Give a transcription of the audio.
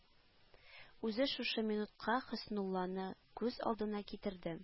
Үзе шушы минутта Хөснулланы күз алдына китерде